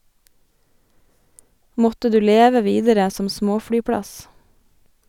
Måtte du leve videre som småflyplass!